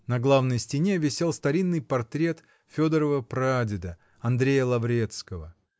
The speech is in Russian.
На главной стене висел старинный портрет Федорова прадеда, Андрея Лаврецкого